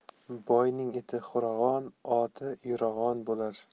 boyning iti hurag'on oti yurag'on bo'lar